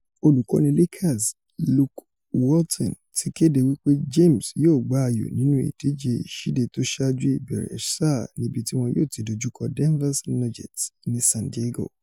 Olùkọ́ni Lakers Luke Walton ti kéde wí pé James yóò gba ayò nínú ìdíje ìsíde tósáájú ìbẹ̀rẹ̀ sáà níbití wọn yóò ti dojúkọ Denvers Nuggets ní San Diego.